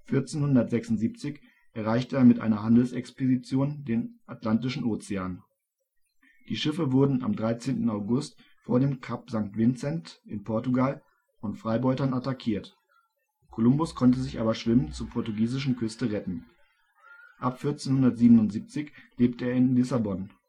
1476 erreichte er mit einer Handelsexpedition den Atlantischen Ozean. Die Schiffe wurden am 13. August vor dem Kap St. Vincent/Portugal von Freibeutern attackiert, Kolumbus konnte sich aber schwimmend zur portugiesischen Küste retten. Ab 1477 lebte er in Lissabon